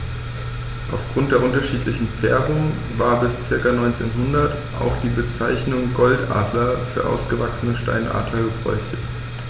Auf Grund der unterschiedlichen Färbung war bis ca. 1900 auch die Bezeichnung Goldadler für ausgewachsene Steinadler gebräuchlich.